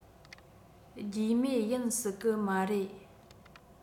རྒྱུས མེད ཡིན སྲིད གི མ རེད